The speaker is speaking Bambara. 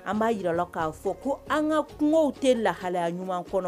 An b'a jirala k'a fɔ ko an ka kuma tɛ lahalaya ɲuman kɔnɔ